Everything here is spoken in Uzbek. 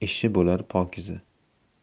ishi bo'lar pokiza